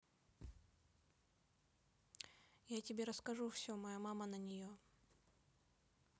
я тебе расскажу все моя мама на нее